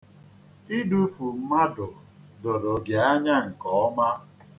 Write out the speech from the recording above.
Idufu mmadụ doro gị anya nke ọma.